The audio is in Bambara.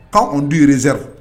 Anw anw du irizeru